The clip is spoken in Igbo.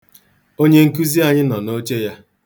Onyenkụzi anyị nọ n'oche ya.